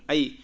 a yiyii